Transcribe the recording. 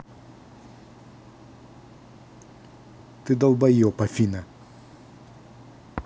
ты долбоеб афина